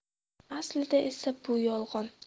aslida esa bu yolg'on